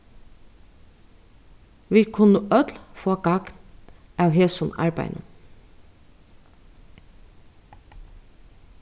vit kunnu øll fáa gagn av hesum arbeiðinum